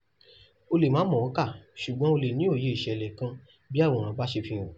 O lè má mọ̀ọ́ kà ṣùgbọ́n o lè ní òye ìṣẹ̀lẹ̀ kan bí àwòrán bá ṣe fihàn.